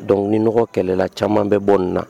Dɔnkiliɔgɔ kɛlɛla caman bɛ bɔ na